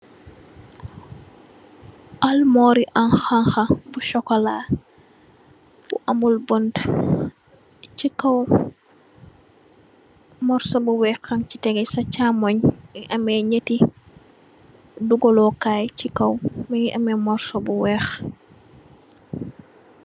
Armorre rii khanha bu chocolat bu amul buntu, chi kaw morsoh bu wekh haangui tehgeh, cii chaamongh ameh njehti dugalor kaii cii kaw, mungy ameh morsoh bu wekh.